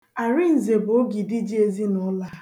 Arinze bụ ogidi ji ezinụlọ a.